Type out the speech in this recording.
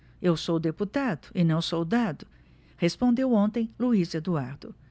eu sou deputado e não soldado respondeu ontem luís eduardo